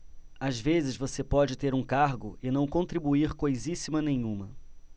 às vezes você pode ter um cargo e não contribuir coisíssima nenhuma